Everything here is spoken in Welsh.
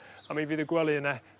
a mi fydd y gwely yna